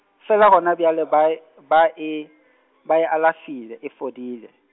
fela gona bjale bae-, ba e, ba e alafile e fodile.